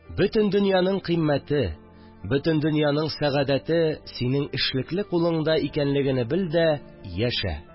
Бөтен дөньяның кыйммәте, бөтен дөньяның сәгадәте синең эшлекле кулыңда икәнлегене бел дә яшә